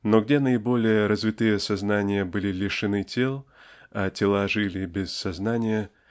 Но где наиболее развитые сознания были лишены тел а тела жили без сознания